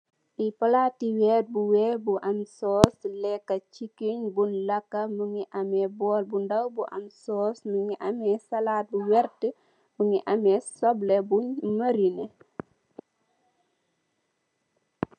Li palati wèèr bu wèèx bu sóós lekka cikin buñ lakka mugii ameh bóól bu ndaw bu am sóós, mugii ameh salat bu werta, mugii ameh sobleh buñ marine.